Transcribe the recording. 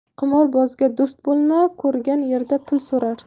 qimorbozga do'st bo'lma ko'rgan yerda pul so'rar